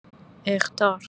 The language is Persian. اخطار